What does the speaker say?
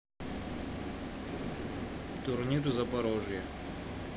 турнир запорожье